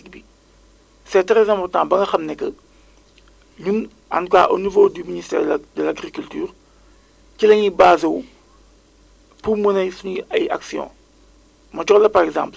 numéro de téléphone yi nga xam ne actuellement mi ngi suñu biir base ñu am léegi un protocole bi nga xam ne dinañ ko signer ak waa Sonatel à chaque fois que mu am information bu bees immédiatement ñi nga xamante ni bi ñooñu la concerné dañuy lancer alerte bi